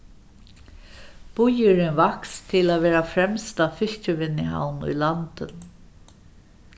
býurin vaks til at vera fremsta fiskivinnuhavn í landinum